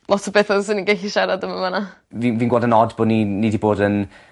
lot of betha fyswn i'n gallu siarad am yn fana. Fi'n fi'n gweld yn od bo' ni'n ni 'di bod yn